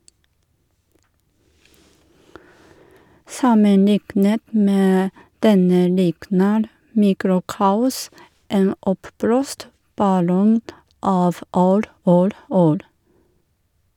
Sammenliknet med denne likner "Mikrokaos" en oppblåst ballong av ord, ord, ord.